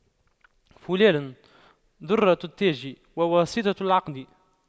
فلان دُرَّةُ التاج وواسطة العقد